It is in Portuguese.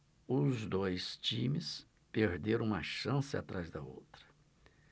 os dois times perderam uma chance atrás da outra